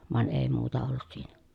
vaan ei muuta ollut siinä